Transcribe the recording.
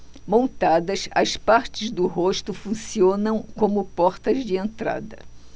montadas as partes do rosto funcionam como portas de entrada